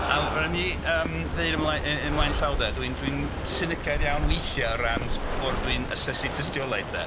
A ma' raid i ni yym ddeud ymlaen y- y- ymlaen llaw de, dwi'n dwi'n sinigaidd iawn weithiau o ran s- ffordd dwi'n asesu tystiolaeth de.